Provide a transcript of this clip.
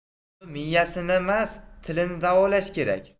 buni miyasinimas tilini davolash kerak